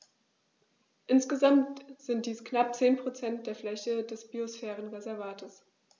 Insgesamt sind dies knapp 10 % der Fläche des Biosphärenreservates.